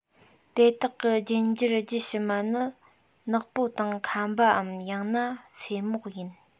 དེ དག གི རྒྱུད འགྱུར རྒྱུད ཕྱི མ ནི ནག པོ དང ཁམ པའམ ཡང ན སེ མོག ཡིན